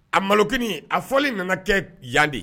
A malok a fɔli nana kɛ yan de